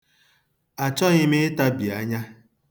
Achọghị m itabi anya.